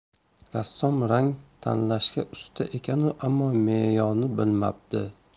rassom rang tanlashga usta ekanu ammo me'yorni bilmabdi